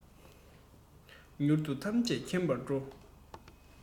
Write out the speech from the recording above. མྱུར དུ ཐམས ཅད མཁྱེན པར འགྲོ